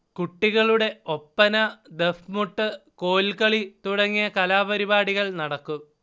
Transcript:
കുട്ടികളുടെ ഒപ്പന, ദഫ്മുട്ട്, കോൽകളി തുടങ്ങിയ കലാപരിപാടികൾ നടക്കും